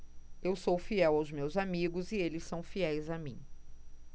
eu sou fiel aos meus amigos e eles são fiéis a mim